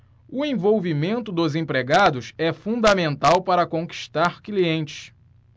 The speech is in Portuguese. o envolvimento dos empregados é fundamental para conquistar clientes